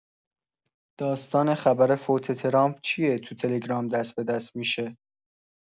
داستان خبر فوت ترامپ چیه تو تلگرام دست‌به‌دست می‌شه؟